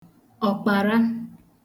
ọ̀kpàra